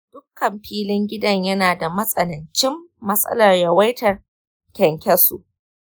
dukkan filin gidan yana da matsanancin matsalar yawaitar kyankyaso.